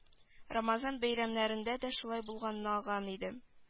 Рамазан бәйрәмнәрендә дә шулай булгалаган иде